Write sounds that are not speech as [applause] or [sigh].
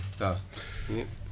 waaw [breath]